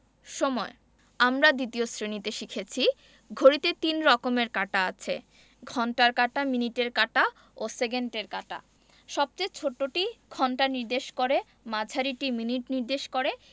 সময়ঃ আমরা ২য় শ্রেণিতে শিখেছি ঘড়িতে ৩ রকমের কাঁটা আছে ঘণ্টার কাঁটা মিনিটের কাঁটা ও সেকেন্ডের কাঁটা সবচেয়ে ছোটটি ঘন্টা নির্দেশ করে মাঝারিটি মিনিট নির্দেশ করে